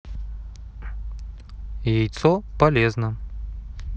яйцо полезно